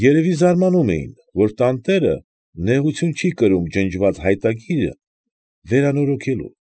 Երևի զարմանում էին, որ տանտերը նեղություն չի կրում ջնջված հայտագիրը վերանորոգելու։